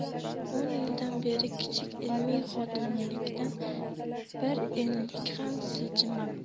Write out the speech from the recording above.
o'n yildan beri kichik ilmiy xodimlikdan bir enlik ham siljimabdi